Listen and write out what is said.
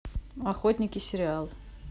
охотники сериал